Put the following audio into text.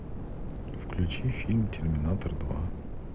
включи фильм терминатор два